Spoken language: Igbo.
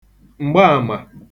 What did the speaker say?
m̀gbaàmà